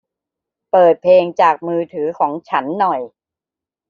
เปิดเพลงจากมือถือของฉันหน่อย